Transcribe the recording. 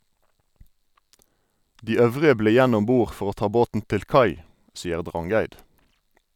- De øvrige ble igjen om bord for å ta båten til kai, sier Drangeid.